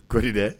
Kodi dɛ!